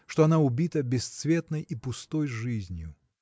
что она убита бесцветной и пустой жизнью.